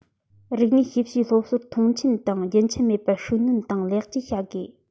རིག གནས ཤེས བྱའི སློབ གསོར མཐོང ཆེན དང རྒྱུན ཆད མེད པར ཤུགས སྣོན དང ལེགས བཅོས བྱ དགོས